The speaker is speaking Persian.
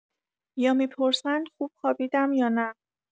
یا می‌پرسن خوب خوابیدم یا نه.